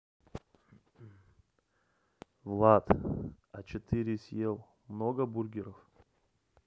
влад а четыре съел много бургеров